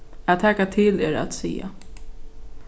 at taka til er at siga